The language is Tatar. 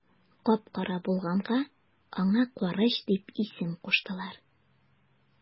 Кап-кара булганга аңа карач дип исем куштылар.